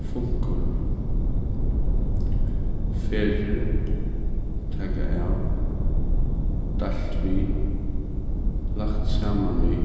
funkur ferðir taka av deilt við lagt saman við